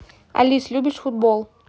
алис любишь футбол